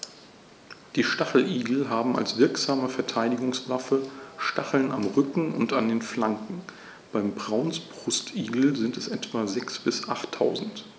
Die Stacheligel haben als wirksame Verteidigungswaffe Stacheln am Rücken und an den Flanken (beim Braunbrustigel sind es etwa sechs- bis achttausend).